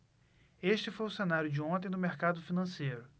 este foi o cenário de ontem do mercado financeiro